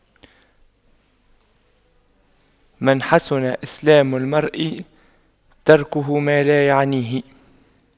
من حسن إسلام المرء تَرْكُهُ ما لا يعنيه